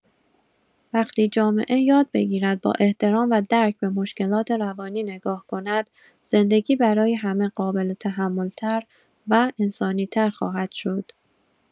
وقتی جامعه یاد بگیرد با احترام و درک به مشکلات روانی نگاه کند، زندگی برای همه قابل‌تحمل‌تر و انسانی‌تر خواهد شد.